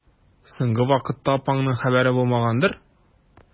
Соңгы вакытта апаңның хәбәре булмагандыр?